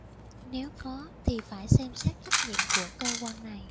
nếu có thì phải xem xét trách nhiệm của cơ quan này